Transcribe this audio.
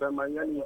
Bɛnbaliya ni